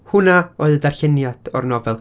Hwnna oedd y ddarlleniad o'r nofel.